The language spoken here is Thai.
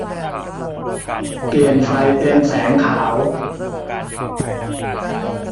เปลี่ยนไฟเป็นแสงขาว